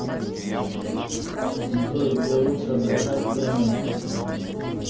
джой где лучше отдыхать в крыму